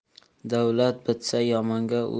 davlat bitsa yomonga